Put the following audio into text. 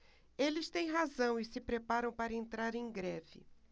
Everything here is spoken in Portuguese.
eles têm razão e se preparam para entrar em greve